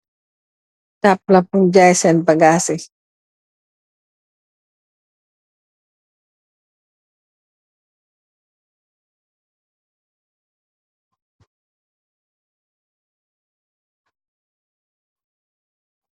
Tableau pur jaii sen bagass cii.